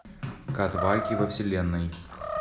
котварки во вселенной